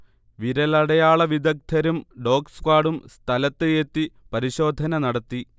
വിരലടയാള വിധഗ്ധരും ഡോഗ്സ്ക്വാഡും സ്ഥലത്ത് എത്തി പരിശോധന നടത്തി